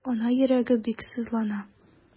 Ана йөрәге бик сызлана.